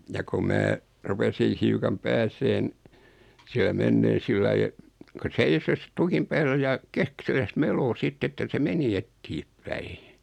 ja kun minä rupesin hiukan pääsemään siellä menemään sillä lailla että kun seiso tukin päällä ja keksillään meloi sitten että se meni eteenpäin